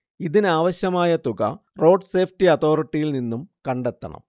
ഇതിനാവശ്യമായ തുക road safety അതോറിറ്റിയിൽ നിന്നും കണ്ടെത്തണം